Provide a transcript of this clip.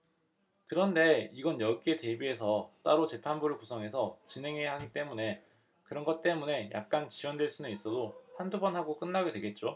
그런데 이건 여기에 대비해서 따로 재판부를 구성해서 진행해야 하기 때문에 그런 것 때문에 약간 지연될 수는 있어도 한 두 번 하고 끝나게 되겠죠